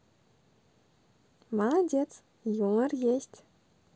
молодец юмор есть